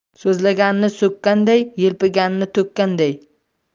so'zlagani so'kkanday yelpigani to'kkanday